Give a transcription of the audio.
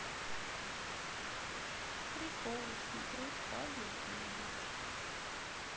приколы смотреть падают люди